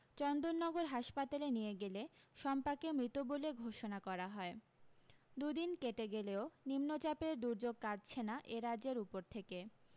চন্দননগর হাসপাতালে নিয়ে গেলে শম্পাকে মৃত বলে ঘোষণা করা হয় দু দিন কেটে গেলেও নিম্নচাপের দুর্যোগ কাটছে না এ রাজ্যের উপর থেকে